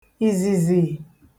ìzìzì